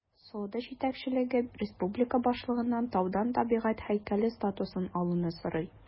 Сода җитәкчелеге республика башлыгыннан таудан табигать һәйкәле статусын алуны сорый.